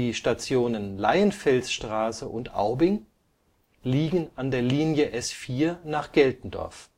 Stationen Leienfelsstraße und Aubing liegen an der Linie nach Geltendorf